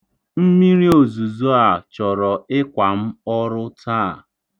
Mmiriozuzo a chọrọ ịkwa m ọrụ taa.